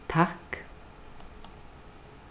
takk